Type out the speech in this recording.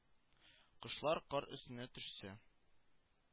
Кошлар кар өстенә төшсә